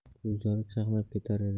ko'zlari chaqnab ketar edi